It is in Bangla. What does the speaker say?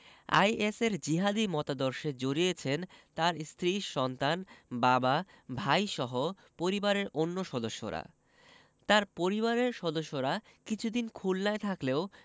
আইএসের জিহাদি মতাদর্শে জড়িয়েছেন তাঁর স্ত্রী সন্তান বাবা ভাইসহ পরিবারের অন্য সদস্যরা তাঁর পরিবারের সদস্যরা কিছুদিন খুলনায় থাকলেও